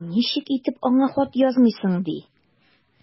Ничек итеп аңа хат язмыйсың ди!